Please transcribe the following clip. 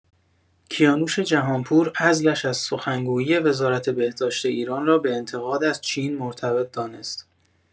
کیانوش جهانپور عزلش از سخنگویی وزارت بهداشت ایران را به انتقاد از چین مرتبط دانست.